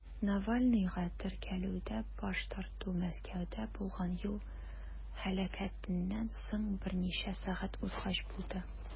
Навальныйга теркәлүдә баш тарту Мәскәүдә булган юл һәлакәтеннән соң берничә сәгать узгач булды.